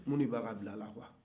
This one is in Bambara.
munun b'a ka bila la